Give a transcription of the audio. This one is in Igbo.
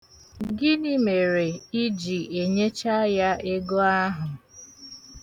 Gịnị mere ị ji enyecha ya ego ahụ?